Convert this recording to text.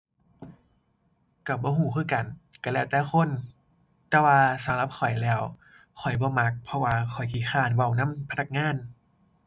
ก็บ่ก็คือกันก็แล้วแต่คน แต่ว่าสำหรับข้อยแล้วข้อยบ่มัก เพราะว่าข้อยขี้คร้านเว้านำพนักงาน